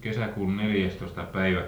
kesäkuun neljästoista päivä